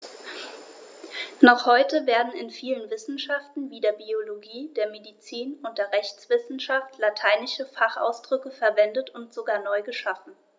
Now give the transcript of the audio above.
Noch heute werden in vielen Wissenschaften wie der Biologie, der Medizin und der Rechtswissenschaft lateinische Fachausdrücke verwendet und sogar neu geschaffen.